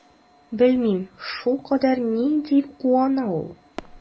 Белмим, шулкадәр ни дип куана ул?